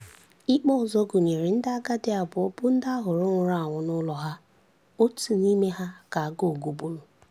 Ikpe ọzọ gụnyere ndị agadi abụọ bụ́ ndị a hụrụ nwụrụ anwụ n'ụlọ ha, otu n'ime ha ka agụụ gụgburu.